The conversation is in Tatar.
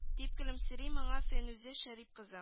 Дип көлемсери моңа фәнүзә шәрип кызы